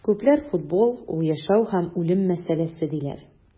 Күпләр футбол - ул яшәү һәм үлем мәсьәләсе, диләр.